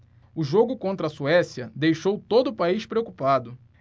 o jogo contra a suécia deixou todo o país preocupado